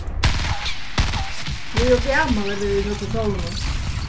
eg eri ov gamal at vera í nøkrum sovorðnum